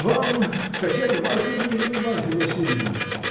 вам, Татьяне Марковне и Марфе Васильевне.